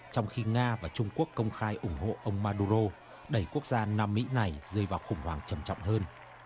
trong khi nga và trung quốc công khai ủng hộ ông ma đu rô đẩy quốc gia nam mỹ này rơi vào khủng hoảng trầm trọng hơn